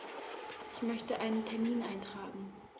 Ich möchte einen Termin eintragen.